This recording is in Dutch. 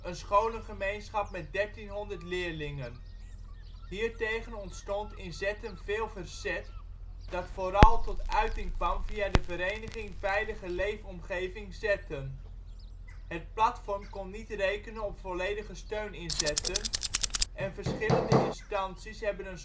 een scholengemeenschap met 1300 leerlingen. Hiertegen ontstond in Zetten veel verzet, dat vooral tot uiting kwam via de Vereniging Veilige Leefomgeving Zetten. Het platform kon niet rekenen op volledige steun in Zetten, en verschillende instanties hebben een standpunt